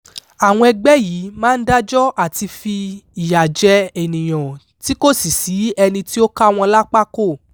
Àwọn ẹgbẹ́ yìí máa ń dájọ́ àti fi ìyà jẹ ènìyàn tí kò sì sí ẹni tí ó ká wọn lápá kò.